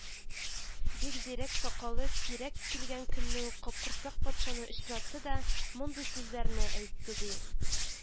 Бикзирәк-Сакалы сирәк килгән көнне үк Капкорсак патшаны очратты да мондый сүзләрне әйтте, ди: